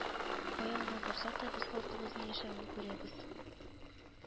Кая гына барсак та, без халкыбызның яшәвен күрәбез